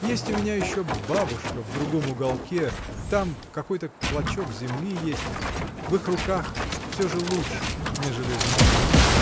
Есть у меня еще бабушка, в другом уголке, — там какой-то клочок земли есть: в их руках всё же лучше, нежели в моих.